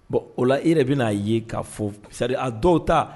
Bon o la e yɛrɛ bɛn'a ye k'a fɔ c'est à dire a dɔw ta